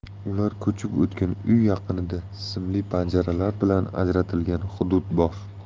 ular ko'chib o'tgan uy yaqinida simli panjaralar bilan ajratilgan hudud bor